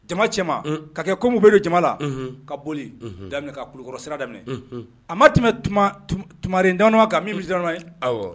Jama cɛma unnn ka kɛ comme u bɛ don jama na unhun ka boli unhun daminɛ ka Kulikɔrɔ sira daminɛ unhun a ma tɛmɛ tumaa tum tumaren damada kan min bi sira la ye awɔɔ